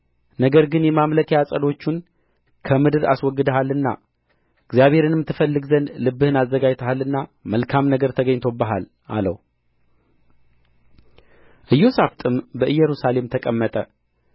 ነገር ግን የማምለኪያ ዐፀዶቹን ከምድር አስወግደሃልና እግዚአብሔርንም ትፈልግ ዘንድ ልብህን አዘጋጅተሃልና መልካም ነገር ተገኝቶብሃል አለው ኢዮሣፍጥም በኢየሩሳሌም ተቀመጠ